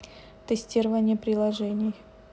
тестирование приложений